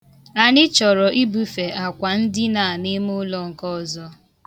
Anyị chọrọ ibufe akwandina a n'imulọ nke ọzọ.